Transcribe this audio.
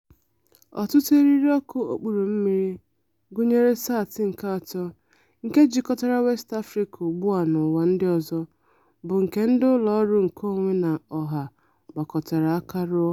Ọtụtụ eririọkụ okpuru mmiri, gụnyere SAT-3 nke jikọtara West Africa ugbua n'ụwa ndị ọzọ, bụ nke ndị ụlọọrụ nkeonwe na ọha (mba) gbakọtara aka rụọ.